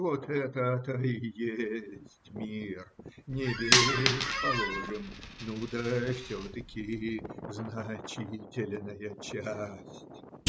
Вот это-то и есть мир; не весь, положим, ну да все-таки значительная часть.